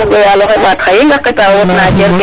o yaloxe mbaat xa yenge xe ta wod na cer ke